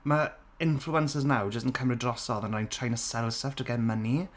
Ma' influencers nawr jyst yn cymryd drosodd and are trying to sell stuff to get money